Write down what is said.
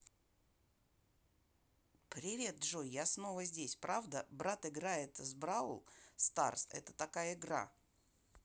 привет джой я снова здесь правда брат играет в brawl stars это такая игра